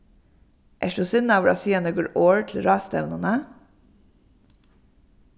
ert tú sinnaður at siga nøkur orð til ráðstevnuna